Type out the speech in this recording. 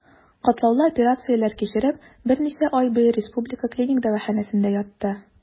Катлаулы операцияләр кичереп, берничә ай буе Республика клиник дәваханәсендә ятты.